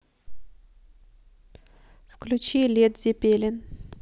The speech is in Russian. включи лет зепелин